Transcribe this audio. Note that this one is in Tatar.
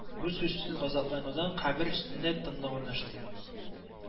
Бу сүзсез газапланудан кабер өстендә тынлык урнашты